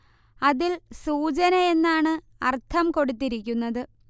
അതിൽ സൂചന എന്നാണ് അർത്ഥം കൊടുത്തിരിക്കുന്നത്